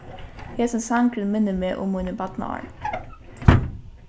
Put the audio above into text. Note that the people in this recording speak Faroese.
hesin sangurin minnir meg um míni barnaár